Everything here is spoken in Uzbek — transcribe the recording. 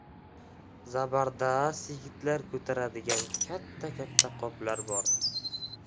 zabardast yigitlar ko'taradigan katta katta qoplari bor